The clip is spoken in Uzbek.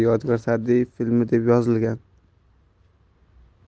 yodgor sa'diyev filmi deb yozilgan